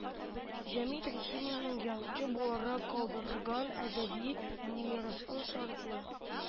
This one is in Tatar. Җәмит Рәхимовның язучы буларак калдырган әдәби мирасын шартлы